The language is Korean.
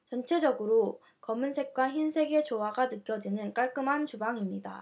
전체적으로 검은색과 흰색의 조화가 느껴지는 깔끔한 주방입니다